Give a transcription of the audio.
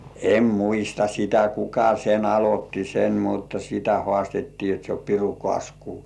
en muista sitä kuka sen aloitti sen mutta sitä haastettiin jotta se on pirun kasku